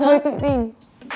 hơi tự tin